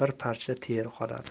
bir parcha teri qoladi